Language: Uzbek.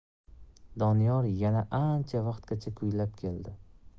doniyor yana ancha vaqtgacha kuylab keldi